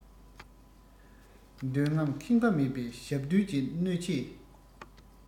འདོད རྔམས ཁེངས པ མེད པའི ཞབས བརྡོལ གྱི གནོད ཆས